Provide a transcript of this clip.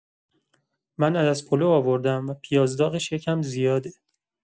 من عدس‌پلو آوردم و پیاز داغش یه کم زیاده.